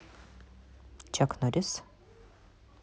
чак норрис